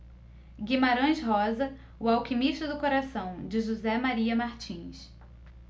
guimarães rosa o alquimista do coração de josé maria martins